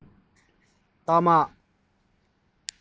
སྟག མ